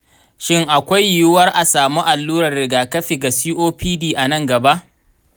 shin akwai yiwuwar a samu allurar rigakafi ga copd a nan gaba?